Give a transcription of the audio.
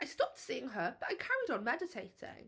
I stopped seeing her but I carried on meditating.